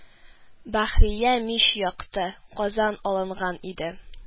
Бәхрия мич якты, казан алынган иде